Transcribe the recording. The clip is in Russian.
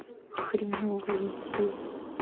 хреновая идея